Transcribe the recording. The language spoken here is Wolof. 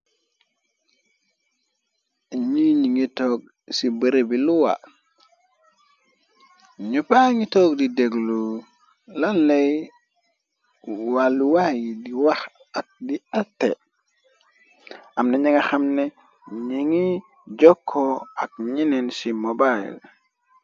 N'ie ñi ngi togg ci bërebi luwa ñuppa ngi togg di deglu lallay wàlluwaa yi di wax ak di arté amna ñanga xamne ñingi jokkoo ak ñeneen ci :mobile."